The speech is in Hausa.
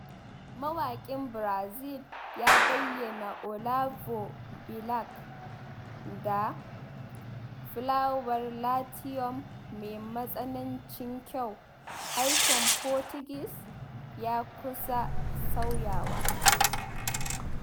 Mawaƙin Brazil, ya bayyana Olavo Bilac da ''fulawar Latium mai matsanancin kyau'', harshen Portuguese ya kusa sauyawa.